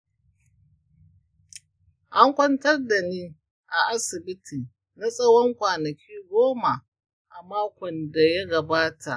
an kwantar da ni a asibiti na tsawon kwanaki goma a makon da ya gabata.